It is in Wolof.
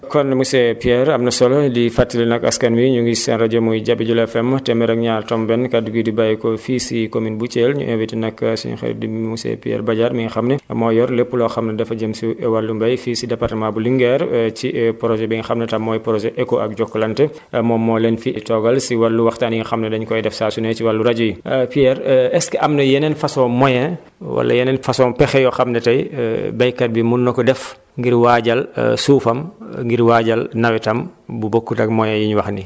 kon monsieur Pierre am an solo di fàttali nag askan bi ñu ngi seen rajo muy Jabi Jula FM téeméer ak ñaar tomb benn kaddu gi di bàyyikoo fii si commune bu Thièl ñu invité nag suénu xarit di monsieur Pierre Badiate mi nga xam ne moo yor lépp loo xam ne dafa jëm si wàllum béy fii si département bu Linguère ci projet bi nga xam ne tam mooy projet ECHO ak Jokalante moom moo leen fi toogal si wàllu waxtaan yi nga xam ne daénu koy def saa su ne si wàllu rajo yi Pierre est ce que am na yeneen façon moyen wala yeneen façon pexe yoo xam ne tey béykat bi mun na ko def ngir waajal suufam ngir waajal nawetam bu bokkut ak moyens yi ñu wax nii